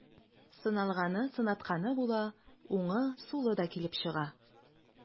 Сыналганы, сынатканы була, уңы, сулы да килеп чыга.